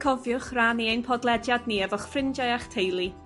Cofiwch rannu ein podlediad ni efo'ch ffrindiau a'ch teulu.